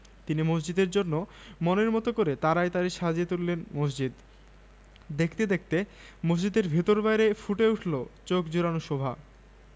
বাংলাদেশ পুস্তক প্রকাশক ও বিক্রেতা সমিতি লালকুঠি ঢাকা ১১/০২/১৯৮২ collected from intermediate Bangla Bengali Clinton B Seely